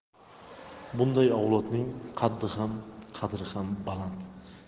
bunday avlodning qaddi ham qadri ham